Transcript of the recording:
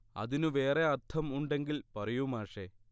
അതിനു വേറേ അർത്ഥം ഉണ്ടെങ്കിൽ പറയൂ മാഷേ